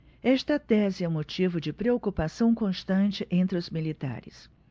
esta tese é motivo de preocupação constante entre os militares